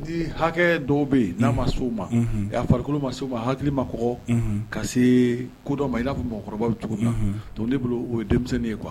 Ni hakɛ dɔw bɛ yen n'a ma s'o ma, a farikolo ma s’o ma, a hakili ma kɔgɔ, unhun, ka se kodɔn ma, i na fɔ mɔgɔkɔrɔbaw bɛ cogo min, unhun, donc ne bolo o ye denmisɛnnin ye quoi